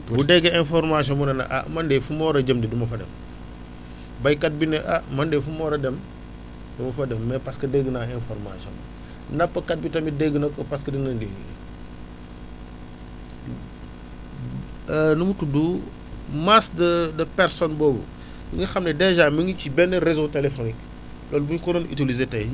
mu dégg information mu ne ah man de fu ma war a jëm de du ma fa dem béykat bi ne ah man de fu ma war a dem du ma fa dem mais parce que dégg naa informùation bi nappkat bi tamit dégg na ko parce que dana déglu nu mu tudd masse de de personne boobu bi nga xam ne dèjà mi ngi ci benn réseau téléphonique loolu bu ñu ko doon utiliser tey